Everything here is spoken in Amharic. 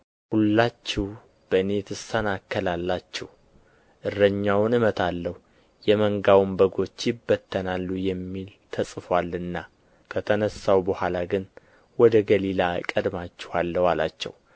ሁላችሁ በእኔ ትሰናከላላችሁ እረኛውን እመታለሁ የመንጋውም በጎች ይበተናሉ የሚል ተጽፎአልና ከተነሣሁ በኋላ ግን ወደ ገሊላ እቀድማችኋለሁ አላቸው